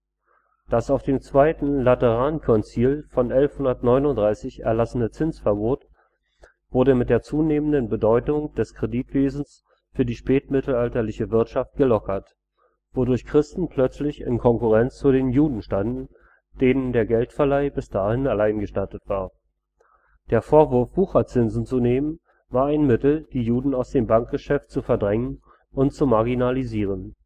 Das auf dem Zweiten Laterankonzil von 1139 erlassene Zinsverbot wurde mit der zunehmenden Bedeutung des Kreditwesens für die spätmittelalterliche Wirtschaft gelockert, wodurch Christen plötzlich in Konkurrenz zu den Juden standen, denen der Geldverleih bis dahin allein gestattet war. Der Vorwurf, Wucherzinsen zu nehmen, war ein Mittel, die Juden aus dem Bankgeschäft zu verdrängen und zu marginalisieren